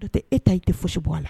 N' tɛ e ta i tɛ foug a la